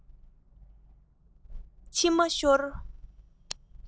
མཆི མ ཤོར